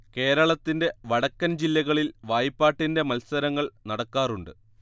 കേരളത്തിൻറെ വടക്കൻ ജില്ലകളിൽ വായ്പാട്ടിൻറെ മത്സരങ്ങൾ നടക്കാറുണ്ട്